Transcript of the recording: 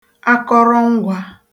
akọrọngwā